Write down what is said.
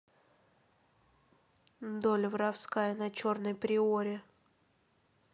доля воровская на черной приоре